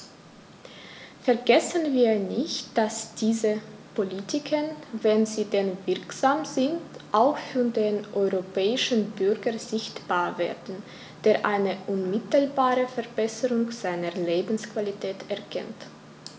Vergessen wir nicht, dass diese Politiken, wenn sie denn wirksam sind, auch für den europäischen Bürger sichtbar werden, der eine unmittelbare Verbesserung seiner Lebensqualität erkennt!